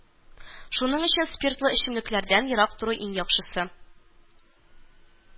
Шуның өчен спиртлы эчемлекләрдән ерак тору иң яхшысы